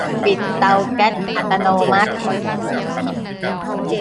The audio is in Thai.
ปิดเตาแก๊สอัตโนมัติ